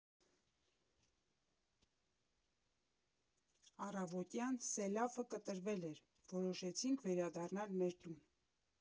Առավոտյան սելավը կտրվել էր, որոշեցինք վերադառնալ մեր տուն։